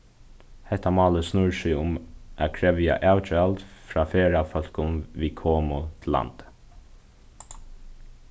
hetta málið snýr seg um at krevja avgjald frá ferðafólkum við komu til landið